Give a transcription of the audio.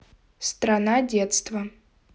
страна детства